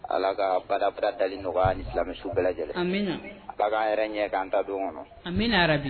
Ala ka baara bara dalen nɔgɔya silamɛmisu bɛɛ lajɛlen an bagan an yɛrɛ ɲɛ an ta don kɔnɔ an